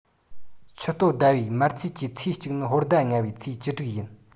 ཆུ སྟོད ཟླ བའི མར ཚེས ཀྱི ཚེས གཅིག ནི ཧོར ཟླ ལྔ པའི ཚེས བཅུ དྲུག ཡིན